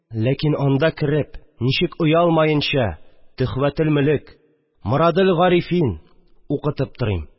Ләкин анда кереп, ничек, оялмаенча, «Төхфәтелмөлек», «Мораделгарифин» укытып торыйм